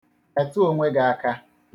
Metụ onwe gị aka.